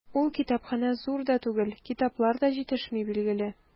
Ул китапханә зур да түгел, китаплар да җитешми, билгеле.